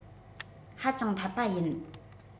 ཧ ཅང འཐད པ ཡིན